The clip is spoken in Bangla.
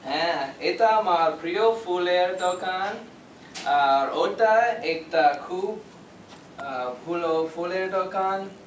হ্যাঁ এটা আমার প্রিয় ফুলের দোকান আর ওটা একটা খুব ভালো ফুলের দোকান